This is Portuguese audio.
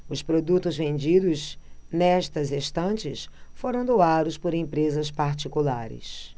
os produtos vendidos nestas estantes foram doados por empresas particulares